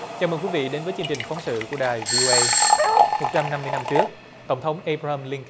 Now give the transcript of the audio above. chào mừng quý vị đến với chương trình phóng sự của đài vi uây một trăm năm mươi năm trước tổng thống a bờ ra ham lin